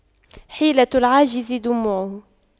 حيلة العاجز دموعه